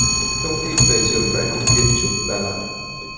thông tin về trường đại học kiến trúc đà nẵng